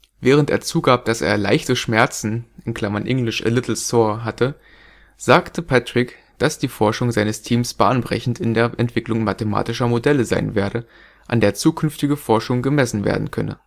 Während er zugab, dass er „ leichte Schmerzen “(engl.: „ a little sore “) hatte, sagte Patrick, dass die Forschung seines Teams bahnbrechend in der Entwicklung mathematischer Modelle sein werde, an der zukünftige Forschung gemessen werden könne